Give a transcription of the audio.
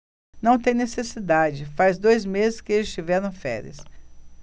não tem necessidade faz dois meses que eles tiveram férias